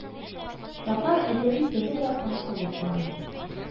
Татар әдәби теле дә онытылып бара